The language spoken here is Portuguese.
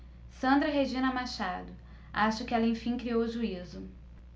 sandra regina machado acho que ela enfim criou juízo